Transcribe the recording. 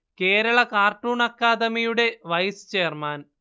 Kerala cartoon അക്കാദമിയുടെ vice chairman